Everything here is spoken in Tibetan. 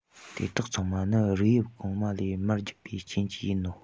དེ དག ཚང མ ནི རིགས དབྱིབས གོང མ ལས མར བརྒྱུད པའི རྐྱེན གྱིས ཡིན ནོ